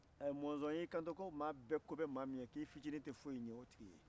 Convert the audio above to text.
ɛɛ mɔnzɔn y'i kanto ko maa bɛɛ ko bɛ maa min ye k'i fitini tɛ foyi ɲɛ o tigi ye